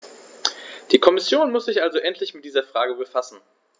Die Kommission muss sich also endlich mit dieser Frage befassen.